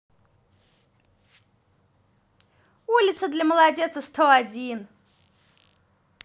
улица для молодеца сто один